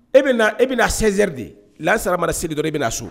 E bena e bena 16 heures de lansara mana seli dɔrɔn e bena so